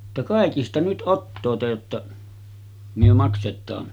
että kaikista nyt ottakaa jotta me maksetaan